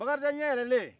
bakarijan ɲɛ yɛlɛlen